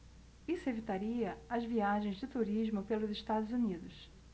isso evitaria as viagens de turismo pelos estados unidos